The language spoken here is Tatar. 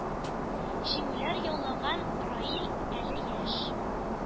Җиңүләр яулаган раил әле яшь,